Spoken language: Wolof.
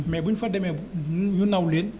mais bu ñu fa demee ñu naw leen